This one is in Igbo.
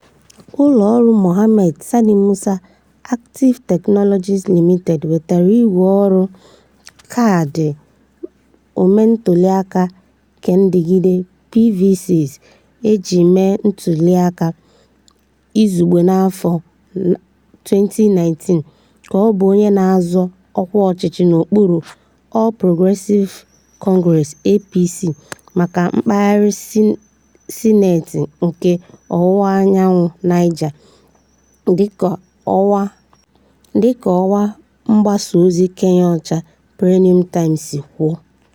Ụlọ ọrụ Mohammed Sani Musa, Activate Technologies Limited, wetara ígwè ọrụ Kaadị Omentụliaka Kendịgide (PVCs) e ji mee ntụliaka izugbe n'afọ 2019, ka ọ bụ onye na-azọ ọkwa ọchịchị n'okpuru All Progressives Congress (APC) maka mpaghara Sineeti nke Ọwụwaanyanwụ Niger , dị ka ọwa mgbasa ozi kennyocha, Premium Times, si kwuo.